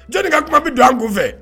Jelini ka kuma bɛ don an kun fɛ